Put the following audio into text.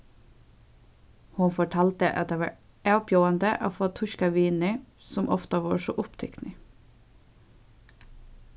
hon fortaldi at tað var avbjóðandi at fáa týskar vinir sum ofta vóru so upptiknir